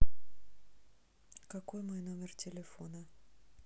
какой мой номер телефона